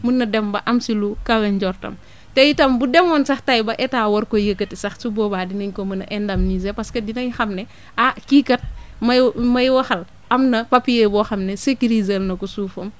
mën na dem ba am si lu kawe njortam te itam bu demoon sax tey ba état war ko yëkkati sax su boobaa dinañ ko mën a indemniser parce que dinañ xam ne ah kii kat may may waxal am na papier boo xam ne sécurisé na ko suufam